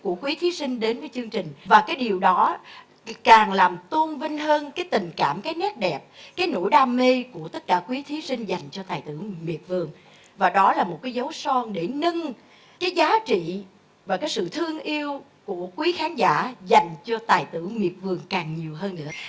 của quý thí sinh đến với chương trình và cái điều đó càng làm tôn vinh hơn cái tình cảm cái nét đẹp cái nỗi đam mê của tất cả quý thí sinh dành cho tài tử miệt vườn và đó là một cái dấu son để nâng cái giá trị và cái sự thương yêu của quý khán giả dành cho tài tử miệt vườn càng nhiều hơn nữa